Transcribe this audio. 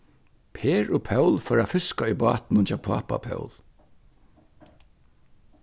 per og pól fóru at fiska í bátinum hjá pápa pól